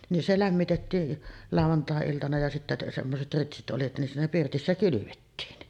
niin se lämmitettiin lauantai-iltana ja sitten semmoiset ritsit oli niin siinä pirtissä kylvettiin